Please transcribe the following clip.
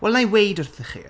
Wel, na'i weid wrthoch chi.